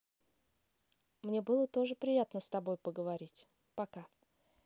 мне было тоже приятно с тобой поговорить пока